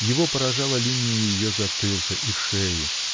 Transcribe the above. Его поражала линия ее затылка и шеи.